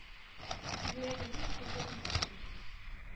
Йөрәгемнең соңгы тибешен!